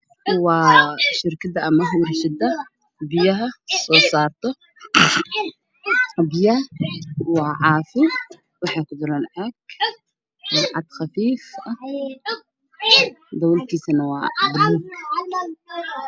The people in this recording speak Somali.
Waa shirkadda soo saarto caagadaha loo yaqaano biyaha caafiga waxaa ii muuqda furar buluug caadado biyo ku jiraan